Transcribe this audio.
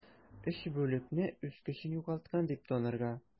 3 бүлекне үз көчен югалткан дип танырга.